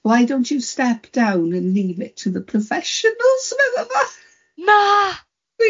Wai dont iw step dawn and lif it to ddy proffesiynyls medda fo